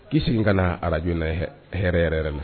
K ii sigi ka na araj hɛrɛ yɛrɛ yɛrɛ na